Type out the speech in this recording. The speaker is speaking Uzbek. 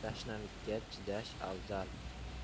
tashnalikka chidash afzal